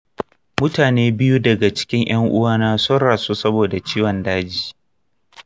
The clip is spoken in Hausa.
mutane biyu daga cikin ƴan-uwana sun rasu saboda ciwon daji